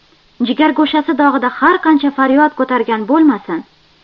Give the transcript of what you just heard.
jigargo'shasi dog'ida har qancha faryod ko'targan bo'lmasin